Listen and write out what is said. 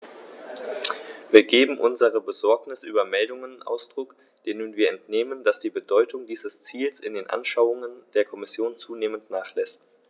Wir geben unserer Besorgnis über Meldungen Ausdruck, denen wir entnehmen, dass die Bedeutung dieses Ziels in den Anschauungen der Kommission zunehmend nachlässt.